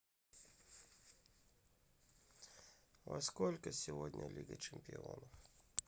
во сколько сегодня лига чемпионов